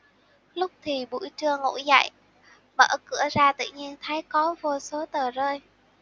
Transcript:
lúc thì buổi trưa ngủ dậy mở cửa ra tự nhiên thấy có vô số tờ rơi